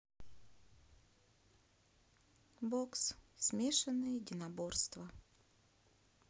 бокс смешанные единоборства